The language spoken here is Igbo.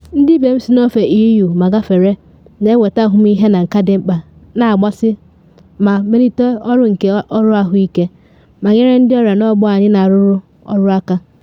Ndị ibe m si n’ofe EU, ma gafere, na eweta ahụmịhe na nka dị mkpa na agbatị ma melite ọrụ nke ọrụ ahụike, ma nyere ndị ọrịa na ogbe anyị na arụrụ ọrụ aka.